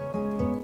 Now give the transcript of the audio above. Hɛrɛ